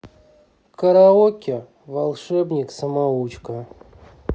караоке волшебник самоучка